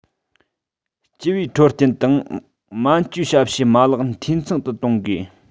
སྤྱི པའི འཕྲོད བསྟེན དང སྨན བཅོས ཞབས ཞུའི མ ལག འཐུས ཚང དུ གཏོང དགོས